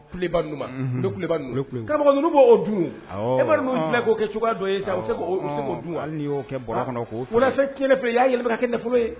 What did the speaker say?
Ba kaba bɛ oo dun e filɛ' kɛ cogoya dɔ se'o kɛ kelen bɛ yen y'a yɛlɛ kɛ nafolo ye